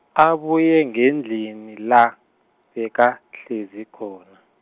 abuye ngendlini la, bekahlezi khona.